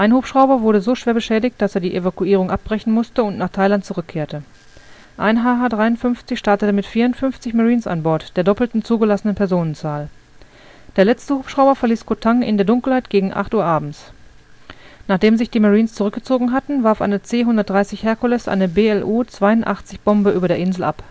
Hubschrauber wurde so schwer beschädigt, dass er die Evakuierung abbrechen musste und nach Thailand zurückkehrte. Ein HH-53 startete mit 54 Marines an Bord, der doppelten zugelassen Personenzahl. Der letzte Hubschrauber verließ Koh Tang in der Dunkelheit gegen acht Uhr abends. Nachdem sich die Marines zurückgezogen hatten, warf eine C-130 Hercules eine BLU-82-Bombe über der Insel ab